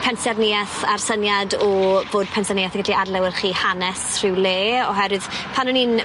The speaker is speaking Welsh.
pensaernieth a'r syniad o fod pensaernieth yn gallu adlewyrchu hanes rhyw le oherwydd pan o'n i'n...